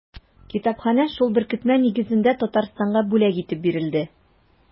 Китапханә шул беркетмә нигезендә Татарстанга бүләк итеп бирелде.